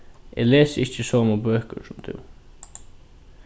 eg lesi ikki somu bøkur sum tú